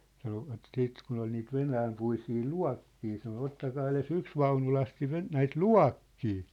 sanoivat sitten kun oli niitä venäjänpuisia luokkeja sanoi ottakaa edes yksi vaunulasti - näitä luokkeja